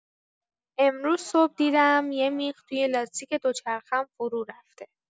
امروز صبح دیدم یه میخ توی لاستیک دوچرخه‌ام فرورفته.